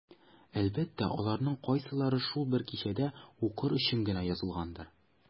Әлбәттә, аларның кайсылары шул бер кичәдә укыр өчен генә язылгандыр.